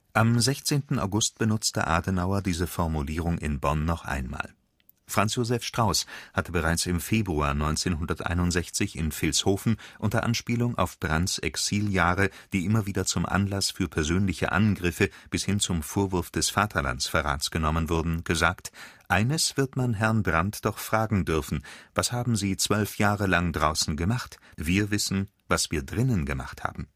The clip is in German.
Am 16. August benutzte Adenauer diese Formulierung in Bonn noch einmal. Franz Josef Strauß hatte bereits im Februar 1961 in Vilshofen unter Anspielung auf Brandts Exiljahre, die immer wieder zum Anlass für persönliche Angriffe bis hin zum Vorwurf des Vaterlandsverrats genommen wurden, gesagt: „ Eines wird man Herrn Brandt doch fragen dürfen: Was haben Sie zwölf Jahre lang draußen gemacht? Wir wissen, was wir drinnen gemacht haben